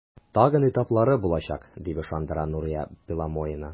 Тагын этаплары булачак, дип ышандыра Нурия Беломоина.